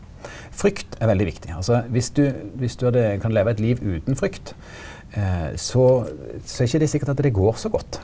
frykt er veldig viktig altså viss du viss du hadde kan leva eit liv utan frykt så så er ikkje det sikkert at det går så godt.